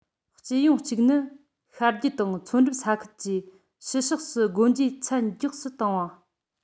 སྤྱི ཡོངས གཅིག ནི ཤར རྒྱུད དང མཚོ འགྲམ ས ཁུལ གྱིས ཕྱི ཕྱོགས སུ སྒོ འབྱེད ཚད མགྱོགས སུ བཏང བ